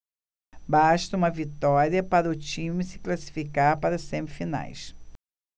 basta uma vitória para o time se classificar para as semifinais